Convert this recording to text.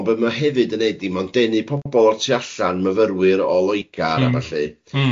Ond be ma' hefyd yn neud 'di mae'n denu pobol o'r tu allan, myfyrwyr o Loegr... Mm... a ballu... Mm.